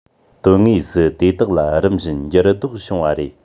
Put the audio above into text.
དོན དངོས སུ དེ དག ལ རིམ བཞིན འགྱུར ལྡོག བྱུང བ རེད